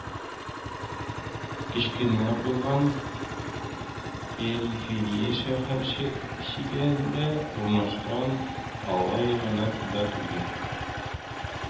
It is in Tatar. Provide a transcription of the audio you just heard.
Кечкенә булган периферий шәһәрчегендә урнашкан, алай гына да түгел,